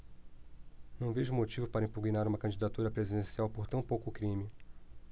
não vejo motivo para impugnar uma candidatura presidencial por tão pouco crime